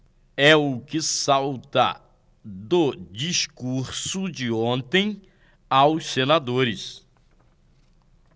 é o que salta do discurso de ontem aos senadores